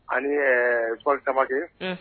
Ani bakarijan camanbake